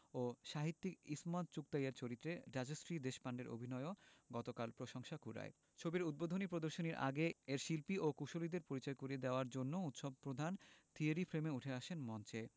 ও সাহিত্যিক ইসমত চুগতাইয়ের চরিত্রে রাজশ্রী দেশপান্ডের অভিনয়ও গতকাল প্রশংসা কুড়ায় ছবির উদ্বোধনী প্রদর্শনীর আগে এর শিল্পী ও কুশলীদের পরিচয় করিয়ে দেওয়ার জন্য উৎসব প্রধান থিয়েরি ফ্রেমো উঠে আসেন মঞ্চে